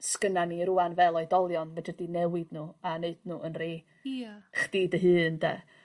sgynnan ni rŵan fel oedolion fedri di newid nw a neud nw yn rei... Ia. ...chdi dy hun 'de.